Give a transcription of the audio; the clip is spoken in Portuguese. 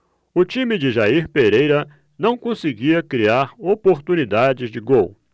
o time de jair pereira não conseguia criar oportunidades de gol